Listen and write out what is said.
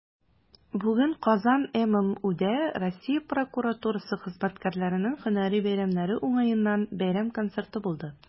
Бүген "Казан" ММҮдә Россия прокуратурасы хезмәткәрләренең һөнәри бәйрәмнәре уңаеннан бәйрәм концерты булды.